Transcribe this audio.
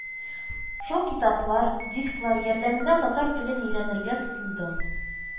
Шул китаплар, дисклар ярдәмендә татар телен өйрәнергә тотындым